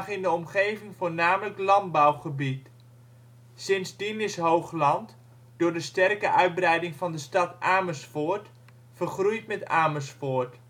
in de omgeving voornamelijk landbouwgebied. Sindsdien is Hoogland, door de sterke uitbreiding van de stad Amersfoort, vergroeid met Amersfoort